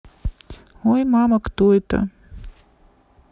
ой мама кто это